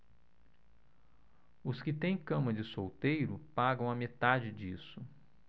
os que têm cama de solteiro pagam a metade disso